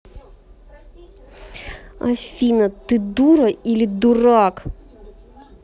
афина ты дура или дурак